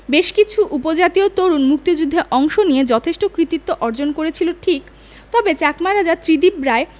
বেশকিছু উপজাতীয় তরুণ মুক্তিযুদ্ধে অংশ নিয়ে যথেষ্ট কৃতিত্ব অর্জন করেছিল ঠিক তবে চাকমা রাজা ত্রিদিব রায়